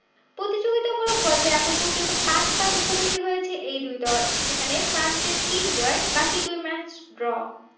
প্রতিযোগিতামূলক পর্যায়ে এখন পর্যন্ত পাঁচবার মুখোমুখি হয়েছে এই দুই দল সেখানে ফ্রান্সের তিন জয় বাকি দুই ম্যাচ ড্র